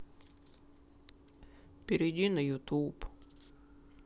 перейди в ютуб